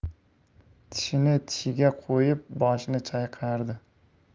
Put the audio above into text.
tishini tishiga qo'yib boshini chayqardi